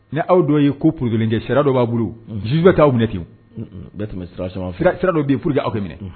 Ni aw dɔw ye ko purdlencɛ sira dɔ b'a bolo ztu bɛ taa'aw minɛ ten bɛ tun sirasi sira dɔ bɛ purdi aw ka minɛ